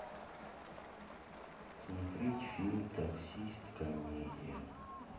смотреть фильм таксист комедия